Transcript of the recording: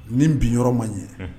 Nin binyɔrɔ ma ɲɛ unh